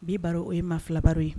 Bi baro, o ye maa fila baro ye